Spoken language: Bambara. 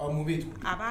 Mun bɛ yen tun